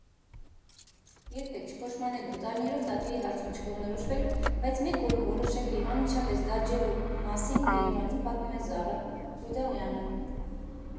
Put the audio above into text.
Երբեք չփոշմանելու ու տարիներով տատուի հարցում չկողմնորոշվելու, բայց մեկ օրում որոշելու և անմիջապես դաջելու մասին ԵՐԵՎԱՆԻՆ պատմում է Զառա Բուդաղյանը։